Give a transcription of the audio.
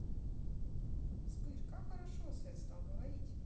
вспыш как хорошо сет стал говорить